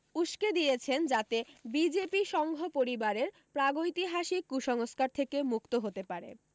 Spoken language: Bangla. উসকে দিয়েছেন যাতে বিজেপি সংঘ পরিবারের প্রাগৈতিহাসিক কূসংস্কার থেকে মুক্ত হতে পারে